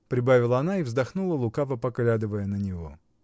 — прибавила она и вздохнула, лукаво поглядывая на него.